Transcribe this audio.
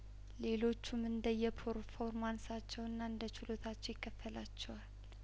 ሌሎቹም እንደየፐርፎርማንሳቸውና እንደችሎታቸው ይከፈላቸዋል